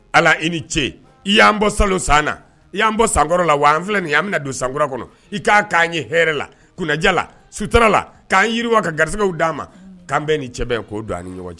Ala i ni ce . i yan bɔ salon san na i yan bɔ sankɔrɔ la. wa an filɛ nin ye an bi na don san kura kɔnɔ i kan ɲɛ h la kunja la suta la k'an yiriwa ka garisɛw da ma an bɛɛ ni cɛbɛ ko don an ni ɲɔgɔn cɛ